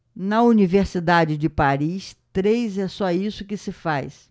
na universidade de paris três é só isso que se faz